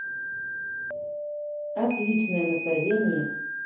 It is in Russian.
отличное настроение